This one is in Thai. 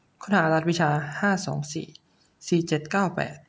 ค้นหารหัสวิชาห้าสองสี่สี่เจ็ดเก้าแปด